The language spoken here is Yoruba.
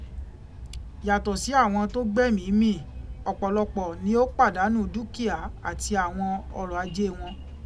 Yàtọ̀ sí àwọn tó gbẹ́mìí mì ọ̀pọ̀lọpọ̀ ni ó pàdánù dúkìá àti àwọn ọrọ̀ ajé wọn.